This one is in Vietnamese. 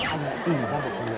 anh